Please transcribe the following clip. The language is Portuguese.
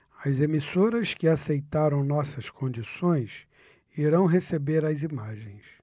as emissoras que aceitaram nossas condições irão receber as imagens